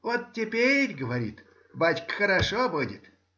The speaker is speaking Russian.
— Вот теперь,— говорит,— бачка, хорошо будет.